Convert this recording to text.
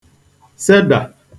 sedà